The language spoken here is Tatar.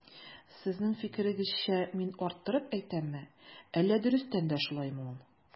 Сезнең фикерегезчә мин арттырып әйтәмме, әллә дөрестән дә шулаймы ул?